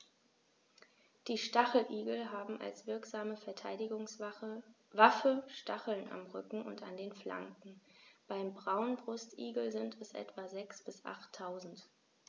Die Stacheligel haben als wirksame Verteidigungswaffe Stacheln am Rücken und an den Flanken (beim Braunbrustigel sind es etwa sechs- bis achttausend).